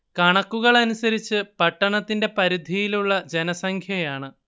കണക്കുകളനുസരിച്ച് പട്ടണത്തിന്റെ പരിധിയിലുള്ള ജനസംഖ്യയാണ്